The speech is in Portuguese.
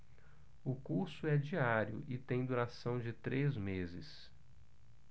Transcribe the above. o curso é diário e tem duração de três meses